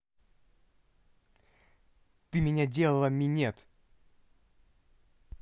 ты меня делала минет